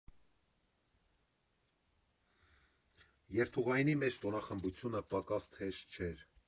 Երթուղայինի մեջ տոնախմբությունը պակաս թեժ չէր։